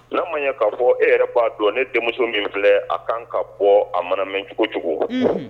N'a man ɲɛ ka bɔ e yɛrɛ ba dɔn ne denmuso min filɛ a kan ka bɔ a mana mɛncogo cogo